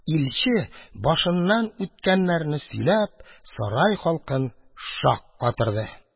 Илче, башыннан үткәннәрне сөйләп, сарай халкын шаккатырды.